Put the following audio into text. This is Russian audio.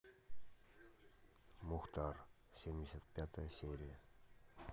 мухтар семьдесят пятая серия